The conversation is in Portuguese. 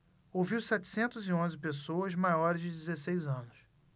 ouviu setecentos e onze pessoas maiores de dezesseis anos